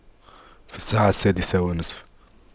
في الساعة السادسة والنصف